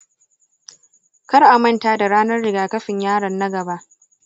kar amanta da ranar rigakafin yaron na gaba